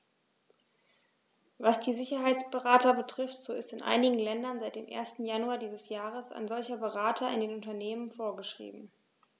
Was die Sicherheitsberater betrifft, so ist in einigen Ländern seit dem 1. Januar dieses Jahres ein solcher Berater in den Unternehmen vorgeschrieben.